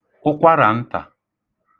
ụkwaràntà